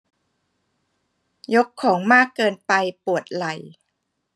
ยกของมากเกินไปปวดไหล่